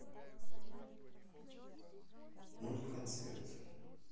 мульт концерт